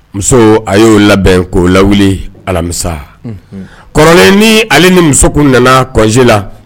Muso a y'o labɛn k'o lawu alamisa k ni hali ni musokun nana kɔsee la